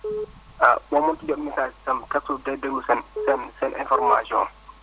ah boo mënta jot message itam cahque jour deel déglu seen seen information